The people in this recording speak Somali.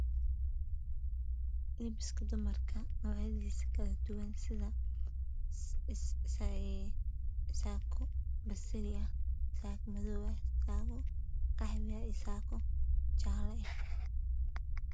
Labiska dumarka sida saako basali saako madow saako qaxwi saako jaalo